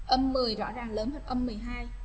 rõ ràng lớn nhất âm